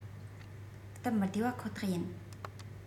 སྟབས མི བདེ བ ཁོ ཐག ཡིན